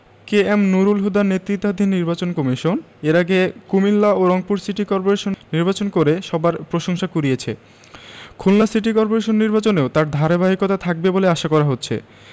কে M Nurul হুদার নেতৃত্বাধীন নির্বাচন কমিশন এর আগে কুমিল্লা ও রংপুর সিটি করপোরেশন নির্বাচন করে সবার প্রশংসা কুড়িয়েছে খুলনা সিটি করপোরেশন নির্বাচনেও তার ধারাবাহিকতা থাকবে বলে আশা করা হচ্ছে